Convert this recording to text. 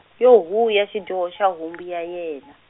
yo huu ya xidyoho xa humbi ya yena.